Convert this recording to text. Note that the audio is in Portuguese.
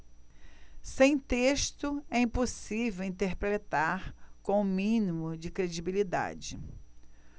sem texto é impossível interpretar com o mínimo de credibilidade